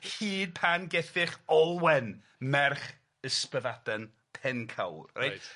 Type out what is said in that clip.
Hyd pan gethych Olwen, merch Ysbyddaden Pencawr reit? Reit.